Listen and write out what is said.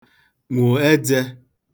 nwò edzē